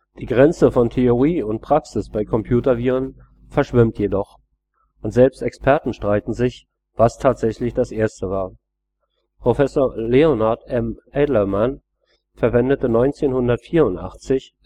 Die Grenze von Theorie und Praxis bei Computerviren verschwimmt jedoch, und selbst Experten streiten sich, was tatsächlich das erste war. Professor Leonard M. Adleman verwendete 1984